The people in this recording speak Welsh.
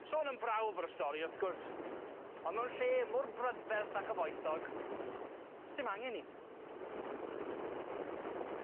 Sôn am brawf ar y stori wrth gwrs, on' mewn lle mor brydferth a chyfoethog, sdim angen 'i.